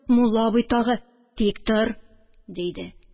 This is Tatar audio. Мулла абый тагы: «Тик тор!» – диде.